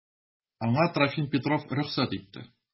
Аңа Трофим Петров рөхсәт итте.